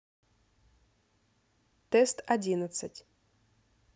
тест одиннадцать